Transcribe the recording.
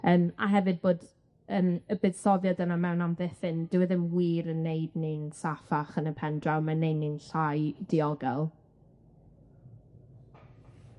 Yym a hefyd bod yym y buddsoddiad yna mewn amddiffyn, dyw e ddim wir yn neud ni'n saffach yn y pendraw. Ma'n neud ni'n llai diogel.